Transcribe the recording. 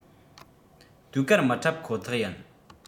ཟློས གར མི འཁྲབ ཁོ ཐག ཡིན